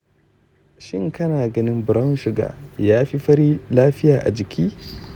shin kana ganin brown sugar ya fi fari lafiya a jiki?